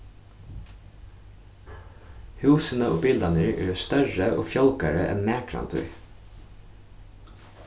húsini og bilarnir eru størri og fjálgari enn nakrantíð